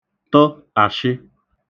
tə̣ àshị